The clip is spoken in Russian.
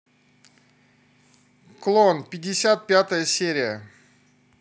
клон пятьдесят пятая серия